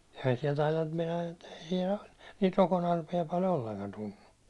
eihän siellä taida nyt meinaan että ei siellä ole niitä rokonarpia paljon ollenkaan tunnu